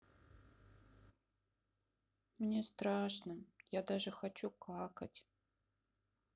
мне страшно я даже хочу какать